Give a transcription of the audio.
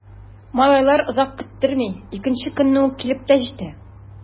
Малайлар озак көттерми— икенче көнне үк килеп тә җитә.